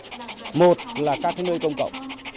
một là các cái nơi công cộng